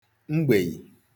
mgbèì